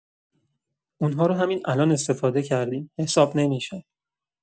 اون‌ها رو همین الان استفاده کردیم، حساب نمی‌شن.